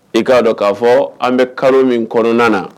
I ka dɔn ka fɔ an bi kalo min kɔnɔna na.